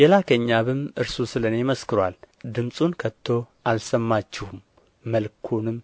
የላከኝ አብም እርሱ ስለ እኔ መስክሮአል ድምፁን ከቶ አልሰማችሁም መልኩንም